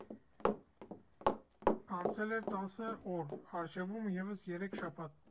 Անցել էր տասը օր, առջևում՝ ևս երեք շաբաթ։